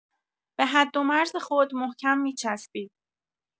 به حدومرز خود محکم می‌چسبید.